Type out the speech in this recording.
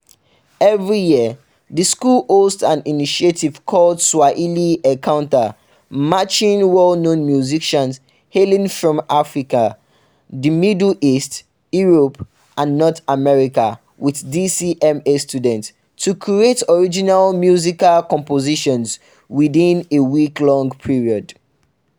Every year, the school hosts an initiative called "Swahili Encounters", matching well-known musicians hailing from Africa, the Middle East, Europe and North America with DCMA students to create original musical compositions within a week-long period.